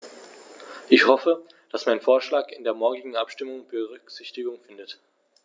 Ich hoffe, dass mein Vorschlag in der morgigen Abstimmung Berücksichtigung findet.